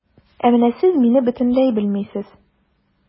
Ә менә сез мине бөтенләй белмисез.